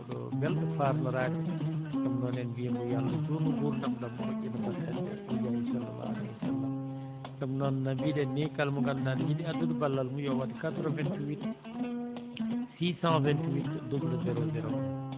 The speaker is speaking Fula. mawɗo belɗo faarnoraade ɗum noon en mbiyii mo yo Allah juutnu nguurndam ɗam moƴƴina battane ɗe ngam Sallahu aleyhi wa sallam ɗum noon no mbiɗen ni kala mo ngannduɗaa ne yiɗi addude ballal mum yo waɗ 88 628 00 01